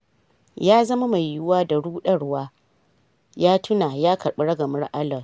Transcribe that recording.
"Ya zama mai yiyuwa da rudarwa," ya tuna, ya karbi ragamar Alloa.